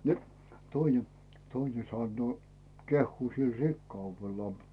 niin toinen toinen sanoo kehuu sillä rikkaudellaan